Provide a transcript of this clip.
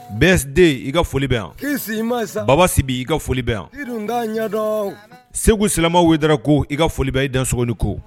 Bɛɛden i ka foli bɛ yan baba si b i ka foli yan segu silamɛw weda ko i ka foliba i dakoni ko